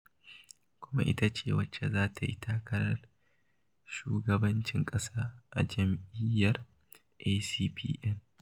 Kuma ita ce wadda za ta yi takarar shugabancin ƙasa a jam'iyyar ACPN